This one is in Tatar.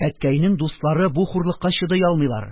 Әткәйнең дуслары бу хурлыкка чыдый алмыйлар: